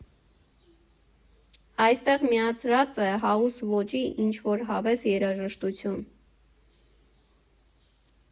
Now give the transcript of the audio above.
Այստեղ միացրած է հաուս ոճի ինչ֊որ հավես երաժշտություն։